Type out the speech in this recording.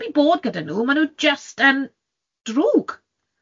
'Sdim byd yn bod gyda nhw, maen nhw jyst yn drwg.